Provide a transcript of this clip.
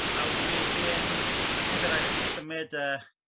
a wedyn falle bydd raid i chi symed yy